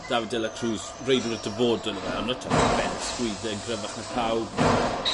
...David de la Cruz reidwiwr y dyfodol yw e on' yy t' odd e ben a sgwydde yn gryfach na pawb.